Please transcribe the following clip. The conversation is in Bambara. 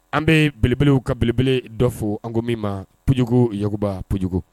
An bɛ belebelew ka belebele dɔ fɔ anko min ma pjuguyuguba pjugu